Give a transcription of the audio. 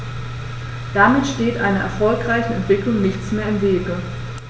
Damit steht einer erfolgreichen Entwicklung nichts mehr im Wege.